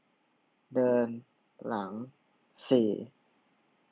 เดินหลังสี่